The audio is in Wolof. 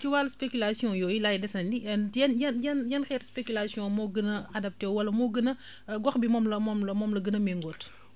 ci wàllu spéculations yooyu laay desandi yan yan yan yan xeetu spéculation moo gën a adapté wala moo gën a gox bi moom la moom la moom la la gën a méngóo